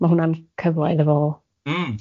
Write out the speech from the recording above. ...ma' hwnna'n cyfla iddo fo... Mm.